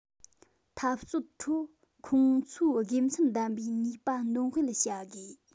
འཐབ རྩོད ཁྲོད ཁོང ཚོའི དགེ མཚན ལྡན པའི ནུས པ འདོན སྤེལ བྱ དགོས